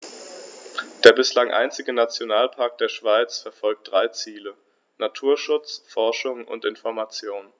Der bislang einzige Nationalpark der Schweiz verfolgt drei Ziele: Naturschutz, Forschung und Information.